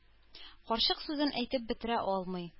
Карчык сүзен әйтеп бетерә алмый.